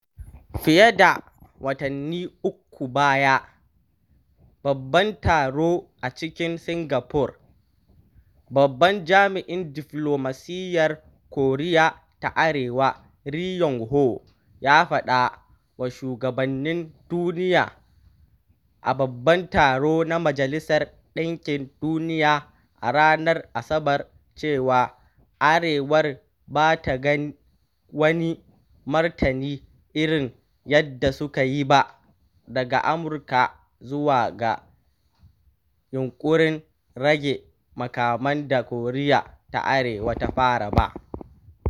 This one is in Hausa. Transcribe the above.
Fiye da watanni uku bayan babban taro a cikin Singapore, babban jami’in diflomasiyyar Koriya ta Arewa Ri Yong Ho ya faɗa wa shugabannin duniya a Babban Taro na Majalisar Ɗinkin Duniya a ranar Asabar cewa Arewar ba ta ga wani “martani irin yadda suka yi ba” daga Amurka zuwa ga yinƙurin rage makaman da Koriya ta Arewar ta fara ba.